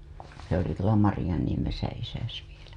se oli tuolla Marjaniemessä isäsi vielä